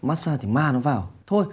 mát xa thì ma nó vào thôi